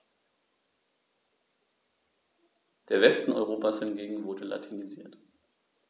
Der Westen Europas hingegen wurde latinisiert.